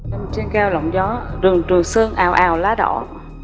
nằm trên cao lộng gió rừng trường sơn ào ào lá đỏ